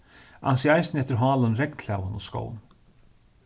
ansið eisini eftir hálum regnklæðum og skóm